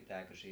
pitääkö -